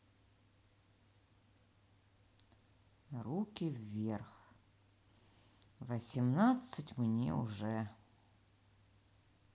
руки вверх восемнадцать мне уже